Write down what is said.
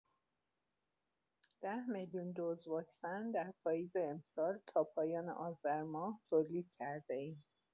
۱۰ میلیون دوز واکسن در پاییز امسال تا پایان آذر ماه تولید کرده‌ایم.